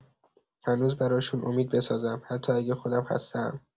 هنوز براشون امید بسازم، حتی اگه خودم خسته‌ام.